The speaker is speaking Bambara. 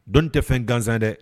Don tɛ fɛn gansan dɛ